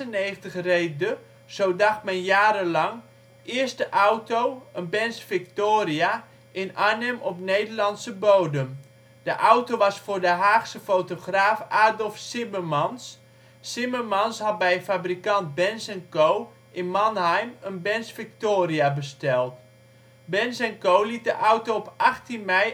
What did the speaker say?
1896 reed de, zo dacht men jarenlang, eerste auto, een Benz Victoria, in Arnhem op Nederlandse bodem. De auto was voor de Haagse fotograaf Adolf Zimmermans. Zimmermans had bij fabrikant Benz en Co in Mannheim een Benz Victoria besteld. Benz en Co liet de auto op 18 mei